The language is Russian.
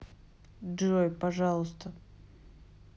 джой пожалуйста